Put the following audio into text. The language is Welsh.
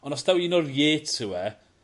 On' os taw un o'r Yates yw e